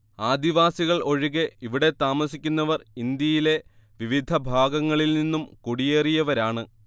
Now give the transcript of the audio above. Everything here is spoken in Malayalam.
ആദിവാസികൾ ഒഴികെ ഇവിടെ താമസിക്കുന്നവർ ഇന്ത്യയിലെ വിവിധ ഭാഗങ്ങളിൽ നിന്നും കുടിയേറിയവരാണ്